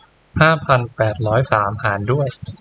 ห้าพันแปดร้อยสามหารด้วย